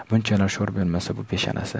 bunchalar sho'r bo'lmasa bu peshanasi